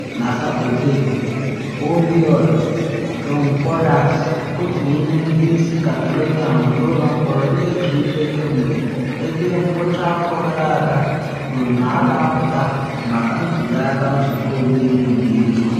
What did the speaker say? Na Satọde, Oriol Junqueras, otu n’ime ndị isi Catalonia nọ n’ụlọ mkpọrọ na eche ikpe kemgbe ebe ngwụcha afọ gara aga, kwuru na ọ ga-apụta maka ntuli aka Nzụkọ Omeiwu nke Europe.